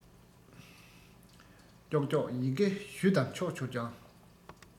ཀྱོག ཀྱོག ཡི གེ གཞུ ལྟར འཁྱོག གྱུར ཀྱང